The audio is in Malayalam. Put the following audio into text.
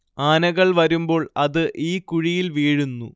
ആനകൾ വരുമ്പോൾ അത് ഈ കുഴിയിൽ വീഴുന്നു